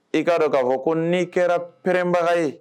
I k'a dɔn k'a fɔ ko n'i kɛra pererɛnbaga ye